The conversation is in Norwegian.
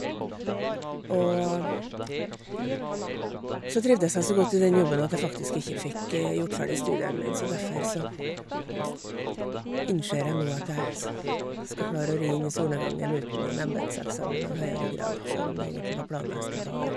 Og så trivdes jeg så godt i den jobben at jeg faktisk ikke fikk gjort ferdig studiene mine, så derfor så innser jeg nå at jeg s skal klare å ri inn i solnedgangen uten en embetseksamen av høyere grad, sjøl om det egentlig var planen jeg skulle ta dét.